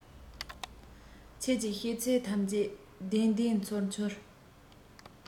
ཁྱོད ཀྱིས བཤད ཚད ཐམས ཅད བདེན བདེན འཆོལ འཆོལ